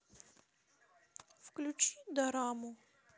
включи дораму